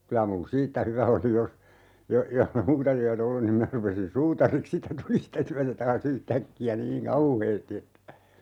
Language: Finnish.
kyllä minun siitä hyvä oli jos - jos ei muuta työtä ollut niin minä rupesin suutariksi siitä tuli sitä työtä taas yhtäkkiä niin kauheasti että